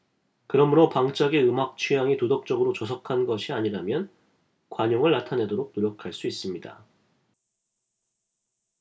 그러므로 방짝의 음악 취향이 도덕적으로 저속한 것이 아니라면 관용을 나타내려고 노력할 수 있습니다